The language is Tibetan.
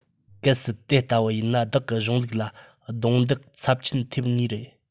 གལ སྲིད དེ ལྟ བུ ཡིན ན བདག གི གཞུང ལུགས ལ རྡུང རྡེག ཚབས ཆེན ཐེབས ངེས རེད